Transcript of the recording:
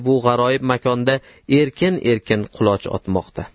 bu g'aroyib makonda erkin erkin quloch otmoqda